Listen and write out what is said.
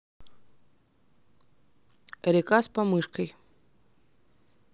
река с помышкой